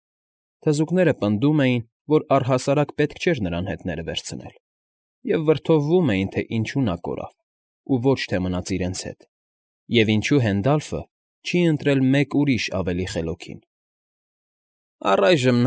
Թզուկները պնդում էին, որ առհասարակ պետք չէր նրան հետները վերցնել, և վրդովվում էին, թե ինչու նա կորավ ու ոչ թե մնաց իրենց հետ, և ինչու Հենդալֆը չի ընտրել մեկ ուրիշ ավելի խելոքի։ ֊ Առայժմ։